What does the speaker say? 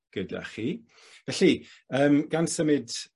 gyda chi. Felly yym gan symud